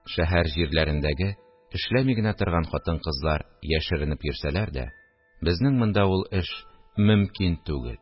Шәһәр җирләрендәге эшләми торган хатын-кызлар яшеренеп йөрсәләр дә, безнең монда ул эш мөмкин түгел